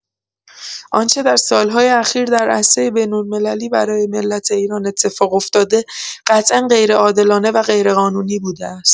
آنچه در سال‌های اخیر در عرصه بین‌المللی برای ملت ایران اتفاق افتاده قطعا غیرعادلانه و غیرقانونی بوده است.